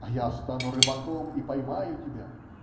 -- "А я стану рыбаком и поймаю тебя.